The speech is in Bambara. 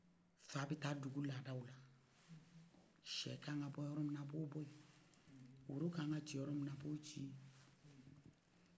fa bɛ tama ka ta dugu ladalaw la shɛ ka kan ka bɔ yɔrɔ min a b'o boyi ni wɔrɔ ka kan ka ci yɔrɔ min a b'o ci ye